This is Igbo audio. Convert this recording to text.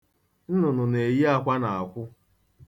Nnụnụ na-eyi akwa n'akwụ.